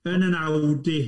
Yn yn Audi.